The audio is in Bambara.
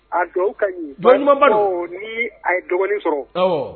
A duwawu kaɲi duwawu ɲumanba don bawoo nii a ye dɔgɔnin sɔrɔ ɔnhɔn